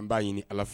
An b'a ɲini ala fɛ